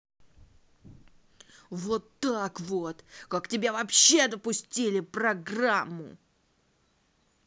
вот так вот как тебя вообще допустили программу